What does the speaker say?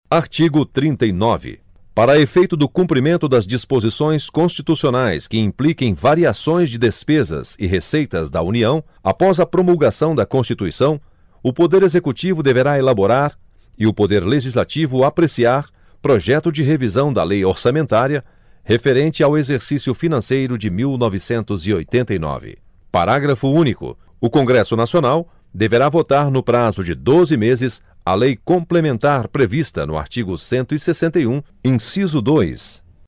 artigo trinta e nove para efeito do cumprimento das disposições constitucionais que impliquem variações de despesas e receitas da união após a promulgação da constituição o poder executivo deverá elaborar e o poder legislativo apreciar projeto de revisão da lei orçamentária referente ao exercício financeiro de mil novecentos e oitenta e nove parágrafo único o congresso nacional deverá votar no prazo de doze meses a lei complementar prevista no artigo cento e sessenta e um inciso dois